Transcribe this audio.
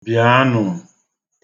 Bịanụ!